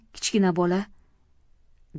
kichkina bola